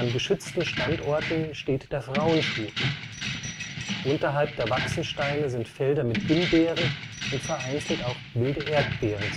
geschützten Standorten steht der Frauenschuh. Unterhalb der Waxensteine sind Felder mit Himbeeren und vereinzelt auch wilde Erdbeeren